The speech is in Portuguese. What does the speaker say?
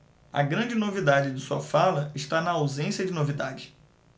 a grande novidade de sua fala está na ausência de novidades